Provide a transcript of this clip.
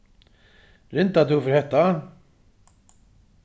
rindar tú fyri hetta